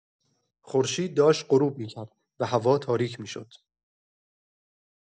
خورشید داشت غروب می‌کرد و هوا تاریک می‌شد.